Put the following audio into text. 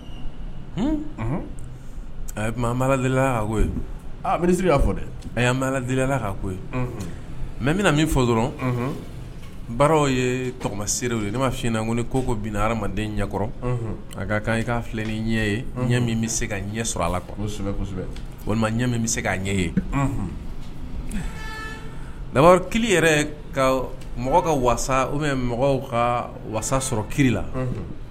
A dɛ mɛ bɛna min baaraw yesirire ye ne ma fina ko ko ko bin ha ɲɛkɔrɔ a ka kan i ka filɛ ni ɲɛ ye ɲɛ min bɛ se ka ɲɛ sɔrɔ a lasɛbɛ walima ɲɛ bɛ se ka ɲɛ ye la ki yɛrɛ mɔgɔ ka mɔgɔ ka wa sɔrɔ ki la